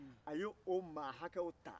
a y'o maa hakɛ o ta